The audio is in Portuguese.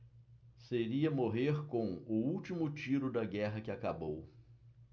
seria morrer com o último tiro da guerra que acabou